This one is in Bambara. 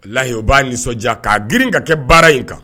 Layi u b'a nisɔndiya k'a girin ka kɛ baara in kan